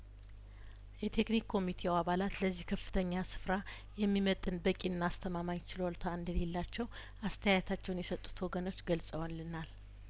የቴክኒክ ኮሚቴው አባላት ለዚህ ከፍተኛ ስፍራ የሚመጥን በቂና አስተማማኝ ችሎታ እንደሌላቸው አስተያየታቸውን የሰጡት ወገኖች ገልጸውልናል